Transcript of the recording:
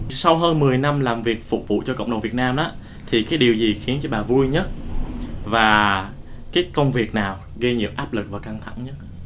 sau hơn mười năm làm việc phục vụ cho cộng đồng việt nam á thì cái điều gì khiến cho bà vui nhất và cái công việc nào gây nhiều áp lực và căng thẳng nhất